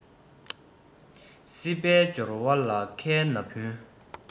སྲིད པའི འབྱོར བ ལ ཁའི ན བུན